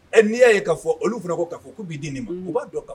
E n'i y'a ye k'a fɔ olu fana ko k'a fɔ k'u b'i di nin ma u b'a dɔn ka f